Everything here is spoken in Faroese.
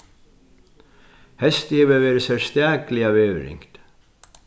heystið hevur verið serstakliga veðurringt